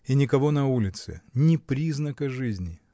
И никого на улице: ни признака жизни.